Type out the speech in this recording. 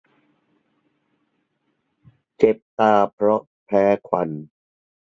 เจ็บตาเพราะแพ้ควัน